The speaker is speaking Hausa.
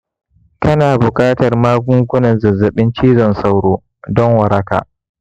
kana buƙatar magungunan zazzabin cizon sauro don waraka